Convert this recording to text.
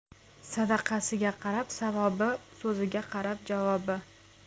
sadaqasiga qarab savobi so'ziga qarab javobi